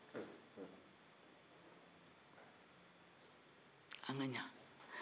an ka ɲa